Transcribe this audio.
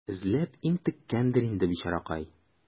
Эзләп интеккәндер инде, бичаракай.